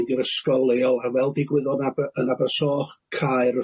mynd i'r ysgol leol a fel ddigwyddodd yn Aber- yn Abersoch cau'r